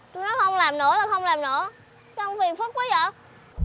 tui nói không làm nữa là không làm nữa sao ông phiền phức quá dợ